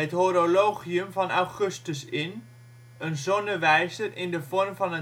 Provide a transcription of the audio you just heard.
Horologium van Augustus in, een zonnewijzer in de vorm van